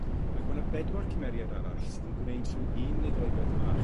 Ac ma' 'na bedwar cymeriad arall sydd yn gwneud rhyw un neu ddou beth bach